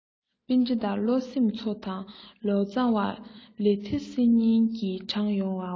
པཎྡི ཏ བློ སེམས འཚོ དང ལོ ཙ བ ལི ཐེ སི གཉིས ཀྱིས དྲངས ཡོང བའོ